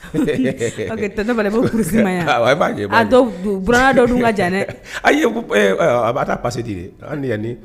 Kurusi yan b'a dɔ ka janɛ ayi a b'a ta pasi di de an yanani